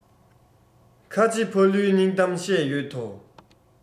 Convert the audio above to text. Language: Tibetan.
ཁ ཆེ ཕ ལུའི སྙིང གཏམ བཤད ཡོད དོ